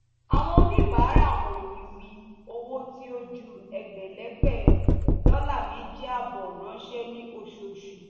Àwọn oníbàárà wọ̀nyìí ń fi owó tí ó ju ẹgbẹ̀lẹ́gbẹ̀ $2.5 ránṣẹ́ ní oṣooṣù.